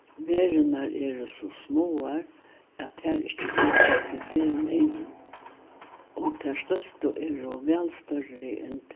verurnar eru so smáar at tær ikki síggjast við berum eygum og tær størstu eru væl størri enn